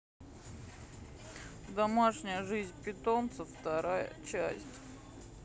домашняя жизнь питомцев вторая часть